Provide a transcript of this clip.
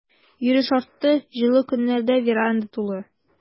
Йөреш артты, җылы көннәрдә веранда тулы.